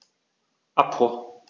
Abbruch.